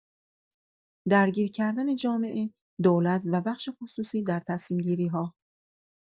درگیر کردن جامعه، دولت و بخش خصوصی در تصمیم‌گیری‌ها